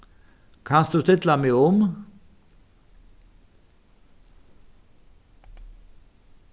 kanst tú stilla meg um